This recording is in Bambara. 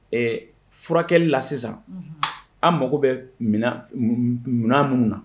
Ee furakɛ la sisan an mago bɛ munna minnu na